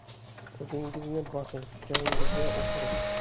o'zingizni bosing joyingizga o'tiring